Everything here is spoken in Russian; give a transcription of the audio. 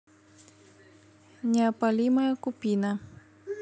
неопалимая купина